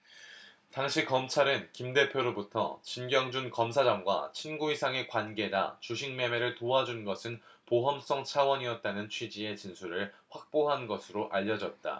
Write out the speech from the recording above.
당시 검찰은 김 대표로부터 진경준 검사장과 친구 이상의 관계다 주식 매매를 도와준 것은 보험성 차원이었다는 취지의 진술을 확보한 것으로 알려졌다